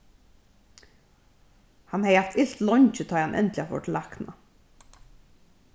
hann hevði havt ilt leingi tá ið hann endiliga fór til lækna